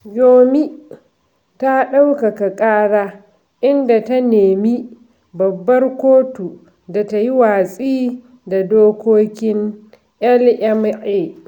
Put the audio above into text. Gyumi ta ɗaukaka ƙara inda ta nemi Babbar Kotu da ta yi watsi da dokokin LMA.